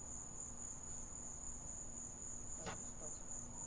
пойду спать